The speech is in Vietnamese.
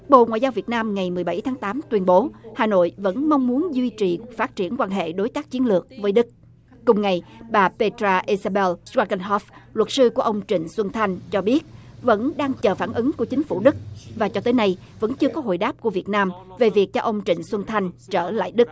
bộ ngoại giao việt nam ngày mười bảy tháng tám tuyên bố hà nội vẫn mong muốn duy trì phát triển quan hệ đối tác chiến lược với đức cùng ngày bà phê tra ê sa beo sờ trai cừn hát luật sư của ông trịnh xuân thanh cho biết vẫn đang chờ phản ứng của chính phủ đức và cho tới nay vẫn chưa có hồi đáp của việt nam về việc cho ông trịnh xuân thanh trở lại đức